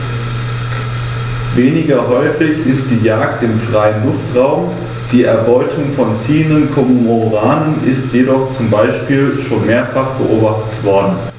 Weniger häufig ist die Jagd im freien Luftraum; die Erbeutung von ziehenden Kormoranen ist jedoch zum Beispiel schon mehrfach beobachtet worden.